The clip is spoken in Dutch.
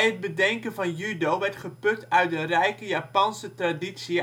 bedenken van Judo werd geput uit de rijke Japanse traditie